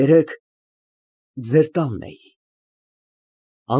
Երեկ ձեր տանն էի։